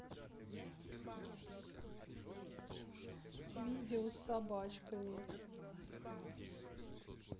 видео с собачками